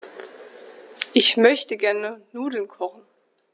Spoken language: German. Ich möchte gerne Nudeln kochen.